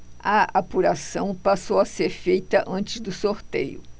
a apuração passou a ser feita antes do sorteio